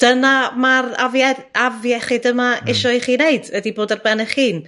dyna ma'r afie- afiechyd yma.. Hmm. ...isio i chi neud ydi bod ar ben 'ych hun.